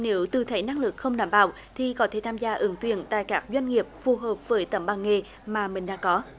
nếu tự thấy năng lực không đảm bảo thì có thể tham gia ứng tuyển tại các doanh nghiệp phù hợp với tấm bằng nghề mà mình đã có